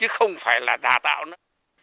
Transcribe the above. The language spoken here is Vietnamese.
chứ không phải là đào tạo nữa